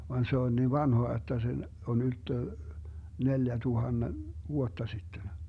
vaan se on niin vanhaa jotta se on ylttö neljäntuhannen vuotta sitten